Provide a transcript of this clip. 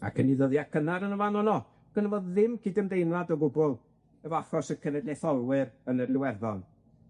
Ac yn 'i ddyddia' cynnar yn y fan yno, gynna fo ddim cydymdeimlad o gwbwl efo achos y cenedlaetholwyr yn yr Iwerddon.